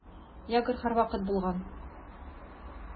Ягр һәрвакыт булган.